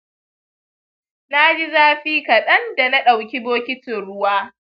naji zafi kadan dana dauki bokitin ruwa